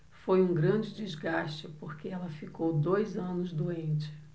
foi um grande desgaste porque ela ficou dois anos doente